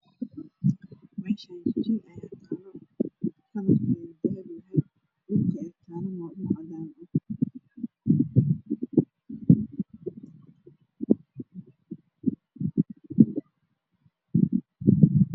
Meshana jijin aya taalo kalarkedu dahbi yahay dhulka eey talo waa dhul cadan ah